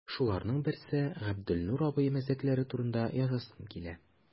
Шуларның берсе – Габделнур абый мәзәкләре турында язасым килә.